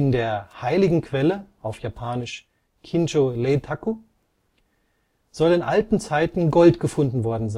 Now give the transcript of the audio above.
der " heiligen Quelle " (Kinjo reitaku) soll in alten Zeiten Gold gefunden worden